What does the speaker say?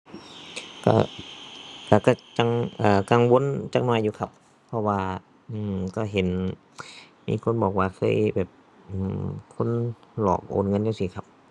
ก็ ก็ ก็กัง เอ่อ กังวลจักหน่อยอยู่ครับ เพราะว่า อือ ก็เห็น มีคนบอกว่าเคยแบบ อือ คนหลอกโอนเงินจั่งซี้ครับ